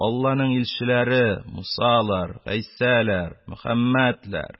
Алланың илчеләре мусалар, гайсалар, мөхәммәтләр!